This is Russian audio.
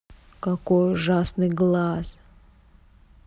какой ужасный глаз